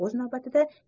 o'z navbatida